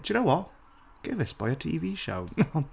Do you know what? Give this boy a TV show .